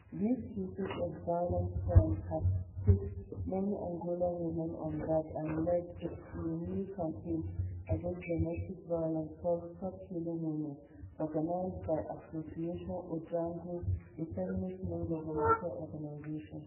These cases of violent crime have put many Angolan women on guard and led to a new campaign against domestic violence called "Stop Killing Women," organized by Association Ondjango, a feminist nongovernmental organization.